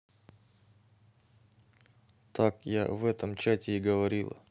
так я в этом чате и говорила